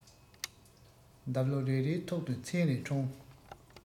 འདབ ལོ རེ རེའི ཐོག ཏུ མཚན རེ འཁྲུངས